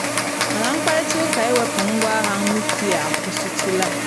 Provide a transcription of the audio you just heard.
Mana mkparịta ụka iwepu ngwa agha nuklịa akwụsịtụla.